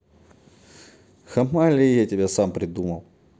hammali я тебя сам придумал